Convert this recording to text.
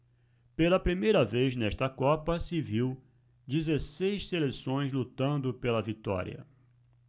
pela primeira vez nesta copa se viu dezesseis seleções lutando pela vitória